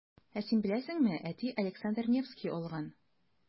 Ә син беләсеңме, әти Александр Невский алган.